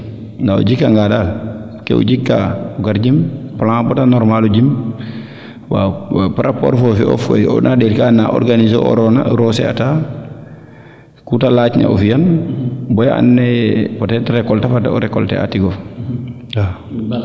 ndaa o jika nga daal ke o jik kaa o gar jim plan bata normale o jim waaw parapport fofi of wona ndeet ka na organiser oona o roose ata kute laac na o fiyan baya an naye peut etre recolte "a fada o recole a tigof